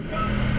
waaw